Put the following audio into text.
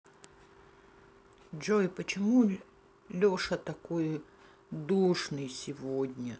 джой почему леша такой душный сегодня